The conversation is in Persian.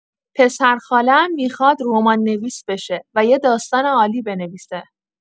پسرخاله‌ام می‌خواد رمان‌نویس بشه و یه داستان عالی بنویسه.